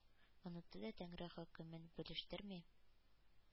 Онытты да тәңре хөкмен, белештерми,